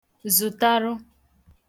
zụ̀tarụ